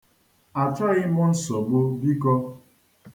Achọghị m nsogbu, biko.